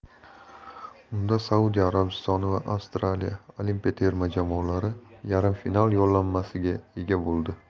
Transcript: unda saudiya arabistoni va avstraliya olimpiya terma jamoalari yarim final yo'llanmasiga ega bo'ldi